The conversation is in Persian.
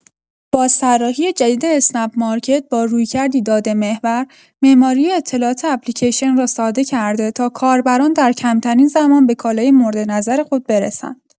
بازطراحی جدید اسنپ‌مارکت، با رویکردی داده‌محور، معماری اطلاعات اپلیکیشن را ساده کرده تا کاربران در کمترین زمان به کالای مورد نظر خود برسند.